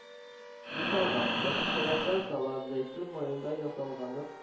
Мисалга, яшелчәләрдән салат (зәйтүн маенда ясалганы